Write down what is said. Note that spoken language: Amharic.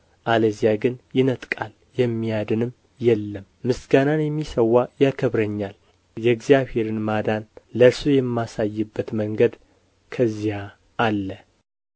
አለዚያ ግን ይነጥቃል የሚያድንም የለም ምስጋና የሚሠዋ ያከብረኛል የእግዚአብሔርን ማዳን ለእርሱ የማሳይበት መንገድ ከዚያ አለ